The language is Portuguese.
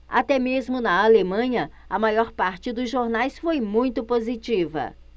até mesmo na alemanha a maior parte dos jornais foi muito positiva